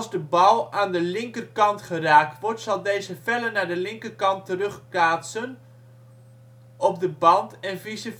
de bal aan de linkerkant geraakt wordt, zal deze feller naar de linkerkant terugkaatsen op de band en vice versa